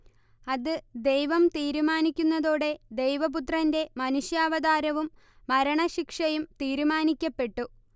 അത് ദൈവം തീരുമാനിക്കുന്നതോടെ ദൈവപുത്രന്റെ മനുഷ്യാവതാരവും മരണശിക്ഷയും തീരുമാനിക്കപ്പെട്ടു